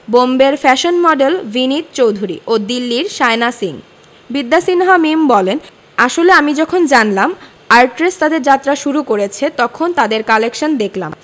বোম্বের fashion model Vinit Chowdhury ও দিল্লির শায়না সিং বিদ্যা সিনহা মিম বলেন আসলে আমি যখন জানলাম আর্টরেস তাদের যাত্রা শুরু করেছে তখন তাদের কালেকশান দেখলাম